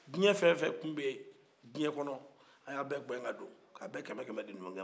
diɲɛ fɛn o fɛn tun bɛ ten dunuya kɔnɔ a ya bɛɛ gɛn ka don k'a bɛɛ kɛmɛ di numukɛ man